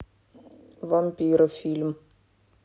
вампиры фильм